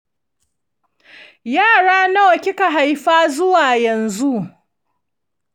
yara nawa kika haifa zuwa yanzu?